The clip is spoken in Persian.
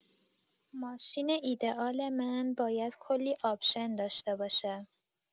ماشین ایده‌آل من باید کلی آپشن داشته باشه.